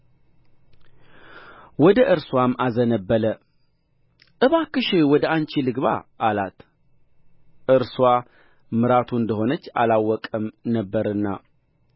ወደ እርስዋም አዘነበለ እባክሽ ወደ አንቺ ልግባ አላት እርስዋ ምራቱ እንደ ሆነች አላወቀም ነበርና